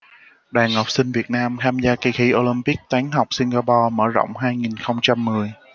đoàn học sinh việt nam tham gia kỳ thi olympic toán học singapore mở rộng hai nghìn không trăm mười